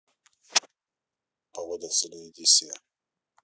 погода в селе эдиссия